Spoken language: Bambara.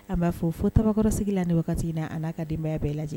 An b'a fo fo Tabakɔrɔ sigi la ni wagati jn na, a n'a ka denbaya bɛɛ lajɛlen